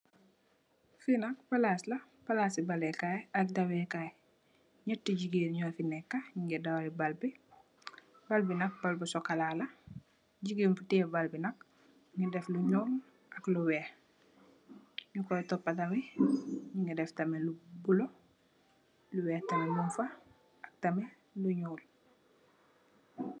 Fii nak palaas la, palaas i bale kaay ak dawé kaay, ñatti jigéen ñu fi neek,...bal bi nak bal bu sokolaa la. Jigeen bu tiye bal bi nak, mu ngi sol lu ñuul ak lu weex, ñu kooy toopa tamit, ñu gi def tamit ku bulo, lu weex tamit mung fa, ak tamit, lu ñuul.